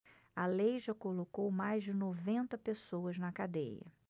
a lei já colocou mais de noventa pessoas na cadeia